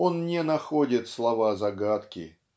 он не находит слова загадки.